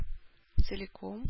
Целиком